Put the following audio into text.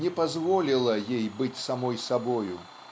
не позволило ей быть самой собою.